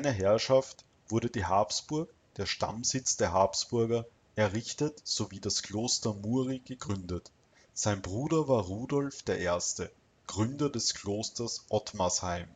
Herrschaft wurde die Habsburg, der Stammsitz der Habsburger, errichtet sowie das Kloster Muri gegründet. Sein Bruder war Rudolf I., Gründer des Klosters Ottmarsheim